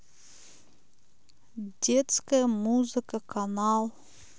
детская музыка канал